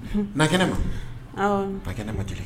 N'a kɛnɛ ma ba kɛnɛ ma deli